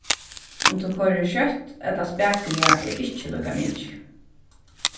um tú koyrir skjótt ella spakuliga er ikki líkamikið